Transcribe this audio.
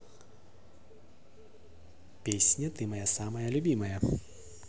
песня ты моя самая любимая